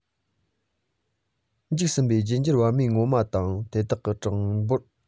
འཇིག ཟིན པའི རྒྱུད འགྱུར བར མའི ངོ བོ དང དེ དག གི གྲངས འབོར